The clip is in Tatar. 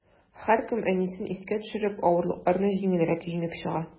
Һәркем, әнисен искә төшереп, авырлыкларны җиңелрәк җиңеп чыга.